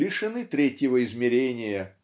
лишены третьего измерения